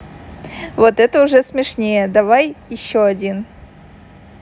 вот это уже смешней давай еще один